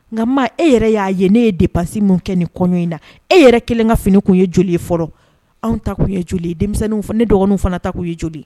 Nka maa e yɛrɛ y'a ye ne ye de pasi min kɛ nin kɔɲɔ in na e yɛrɛ kelen ka fini kun ye joli ye fɔlɔ anw ta'u ye joli denmisɛnnin ne dɔgɔnin fana ta k'u ye joli